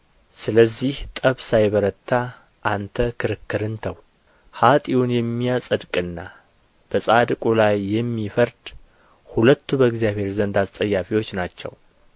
ስለዚህ ጠብ ሳይበረታ አንተ ክርክርን ተው ኀጥኡን የሚያጸድቅና በጻድቁ ላይ የሚፈርድ ሁለቱ በእግዚአብሔር ዘንድ አስጸያፊዎች ናቸው